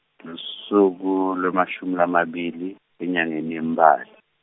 lusuku lwemashumi lamabili, enyangeni yeMpala.